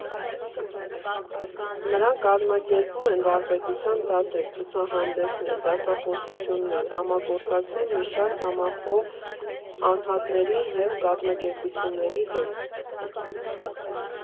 Նրանք կազմակերպում են վարպետության դասեր, ցուցահանդեսներ, դասախոսություններ, համագործակցում մի շարք համախոհ անհատների և կազմակերպությունների հետ։